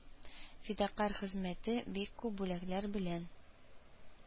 Фидакарь хезмәте бик күп бүләкләр белән